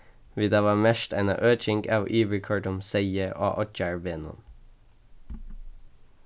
vit hava merkt eina øking av yvirkoyrdum seyði á oyggjarvegnum